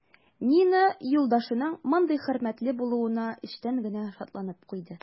Нина юлдашының мондый хөрмәтле булуына эчтән генә шатланып куйды.